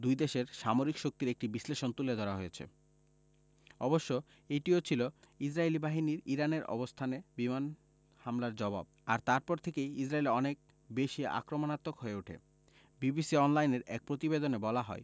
দুই দেশের সামরিক শক্তির একটি বিশ্লেষণ তুলে ধরা হয়েছে অবশ্য এটিও ছিল ইসরায়েলি বাহিনীর ইরানের অবস্থানে বিমান হামলার জবাব আর তারপর থেকেই ইসরায়েল অনেক বেশি আক্রমণাত্মক হয়ে ওঠে বিবিসি অনলাইনের এক প্রতিবেদনে বলা হয়